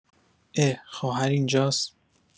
عع خواهر اینجاس